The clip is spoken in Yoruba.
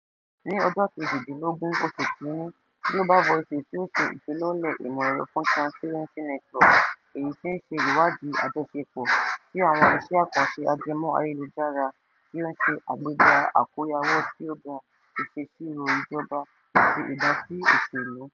Ní ọjọ́ 18 oṣù Kínní Global Voices yóò ṣe ìfilọ́lẹ̀ ìmọ̀ ẹ̀rọ fún Transparency Network, èyí tí í ṣe ìwádìí àjọṣepọ̀ ti àwọn iṣẹ́ àkànṣe ajẹmọ́ ayélujára tí ó ń ṣe àgbéga àkóyawọ́ tí ó ga, ìṣèsirò ìjọba, àti ìdásí òṣèlú.